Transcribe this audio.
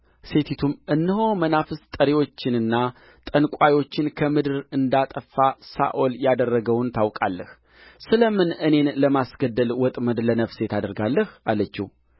ሴቲቱም እነሆ መናፍስት ጠሪዎችንና ጠንቋዮችን ከምድር እንዳጠፋ ሳኦል ያደረገውን ታውቃለህ ስለ ምን እኔን ለማስገደል ወጥመድ ለነፍሴ ታደርጋለህ አለችው